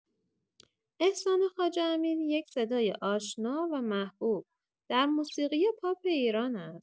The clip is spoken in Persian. احسان خواجه امیری یک صدای آشنا و محبوب در موسیقی پاپ ایران است.